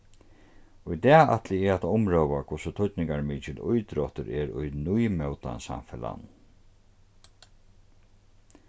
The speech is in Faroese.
í dag ætli eg at umrøða hvussu týdningarmikil ítróttur er í nýmótans samfelagnum